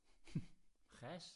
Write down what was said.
Chess?